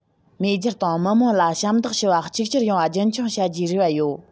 མེས རྒྱལ དང མི དམངས ལ ཞབས འདེགས ཞུ བ གཅིག གྱུར ཡོང བ རྒྱུན འཁྱོངས བྱ རྒྱུའི རེ བ ཡོད